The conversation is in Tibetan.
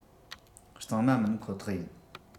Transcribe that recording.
གཙང མ མིན ཁོ ཐག ཡིན